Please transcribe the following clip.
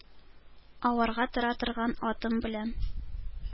Аварга тора торган атым белән,